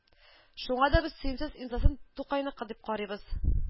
Шуна да без Сөемсез имзасын Тукайныкы дип карыйбыз